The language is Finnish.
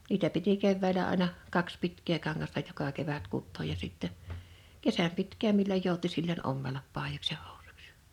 niitä piti keväällä aina kaksi pitkää kangasta joka kevät kutoa ja sitten kesän pitkään milloin jouti silloin ommella paidoiksi ja housuiksi ja